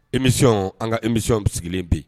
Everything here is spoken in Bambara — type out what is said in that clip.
Imisɔn an ka imisɔnw sigilen bi yen